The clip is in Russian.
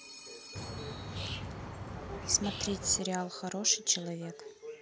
смотреть сериал хороший человек